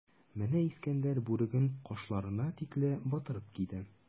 Менә Искәндәр бүреген кашларына тикле батырып киде.